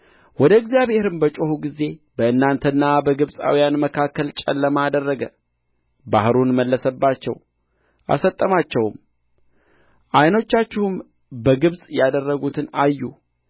ወደ እግዚአብሔርም በጮኹ ጊዜ በእናንተና በግብፃውያን መካከል ጨለማ አደረገ ባሕሩንም መለሰባቸው አሰጠማቸውም ዓይኖቻችሁም በግብፅ ያደረግሁትን አዩ